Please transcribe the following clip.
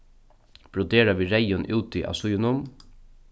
brodera við reyðum úti á síðunum